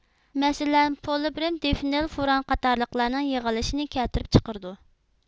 مەسىلەن پولىبروم دىفېنل فۇران قاتارلىقلارنىڭ يىغىلىشىنى كەلتۈرۈپ چىقىرىدۇ